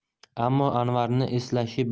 ammo anvarni eslashi